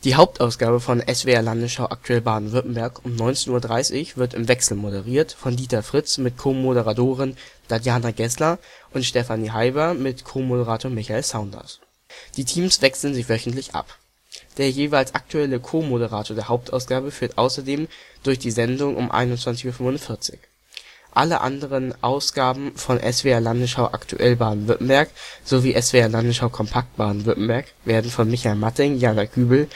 Hauptausgabe von „ SWR Landesschau aktuell Baden-Württemberg “um 19.30 Uhr wird im Wechsel moderiert von Dieter Fritz mit Co-Moderatorin Tatjana Geßler und Stephanie Haiber mit Co-Moderator Michael Saunders. Die Teams wechseln sich wöchentlich ab. Der jeweils aktuelle Co-Moderator der Hauptausgabe führt außerdem durch die Sendung um 21.45 Uhr. Alle anderen Ausgaben von " SWR Landesschau aktuell Baden-Württemberg " (16 Uhr, 17 Uhr, 18 Uhr), sowie " SWR Landesschau kompakt Baden-Württemberg " werden von Michael Matting, Jana Kübel